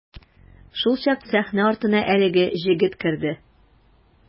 Шулчак сәхнә артына әлеге җегет керде.